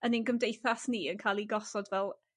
yn ein gymdeithas ni yn ca'l 'i gosod fel